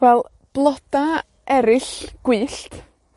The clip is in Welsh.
Wel, bloda eryll gwyllt